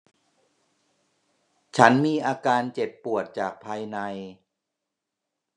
ฉันมีอาการเจ็บปวดจากภายใน